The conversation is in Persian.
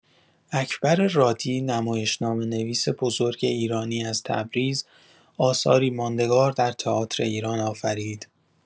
اکبر رادی، نمایشنامه‌نویس بزرگ ایرانی از تبریز، آثاری ماندگار در تئاتر ایران آفرید.